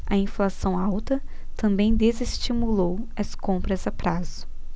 a inflação alta também desestimulou as compras a prazo